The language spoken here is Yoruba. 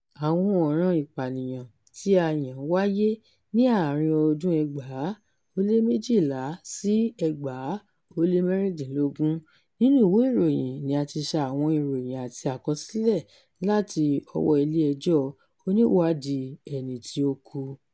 Àwọn ọ̀ràn ìpànìyàn tí a yàn wáyé ní àárín-in ọdún-un 2012 to 2016. Nínú ìwé ìròyìn ni a ti ṣa àwọn ìròyìn àti àkọsílẹ̀ láti ọwọ́ọ ilé ẹjọ́ Oníwàádìí-ẹni-tí-ó-kú.